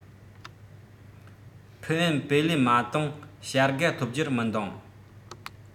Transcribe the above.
ཕུའུ ཡན པེ ལི མ ཏིང བྱ དགའ ཐོབ རྒྱུར མི འདང